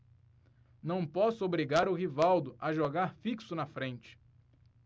não posso obrigar o rivaldo a jogar fixo na frente